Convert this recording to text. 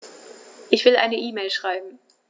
Ich will eine E-Mail schreiben.